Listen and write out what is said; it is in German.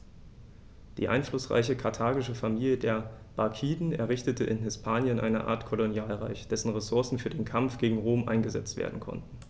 Die einflussreiche karthagische Familie der Barkiden errichtete in Hispanien eine Art Kolonialreich, dessen Ressourcen für den Kampf gegen Rom eingesetzt werden konnten.